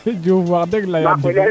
Diouf wax deg leya ndigil